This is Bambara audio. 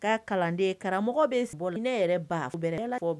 Ka kalanden karamɔgɔ bɛ ne yɛrɛ ba bɛ